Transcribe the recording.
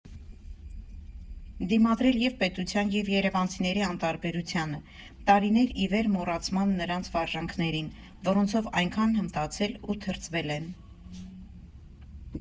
Դիմադրել և՛ պետության, և՛ երևանցիների անտարբերությանը, տարիներ ի վեր մոռացման նրանց վարժանքներին, որոնցով այնքան հմտացել ու թրծվել են։